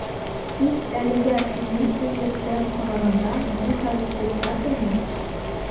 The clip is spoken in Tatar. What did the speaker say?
Тик әлегә, сезнең күзлектән караганда, бу хәл - спектакльмы?